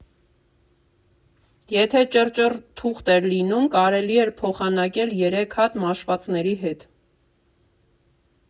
Եթե ճռճռ թուղթ էր լինում, կարելի էր փոխանակել երեք հատ մաշվածների հետ։